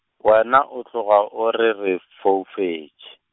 wena o tloga o re re foufetše.